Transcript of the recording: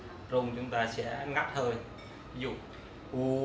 khi mà rung chúng ta sẽ ngắt hơi